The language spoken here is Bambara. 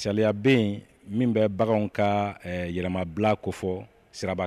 Sariyaya bɛ yen min bɛ bagan ka yɛlɛmamabila ko fɔ sira